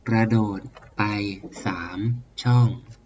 กระโดดไปสามช่อง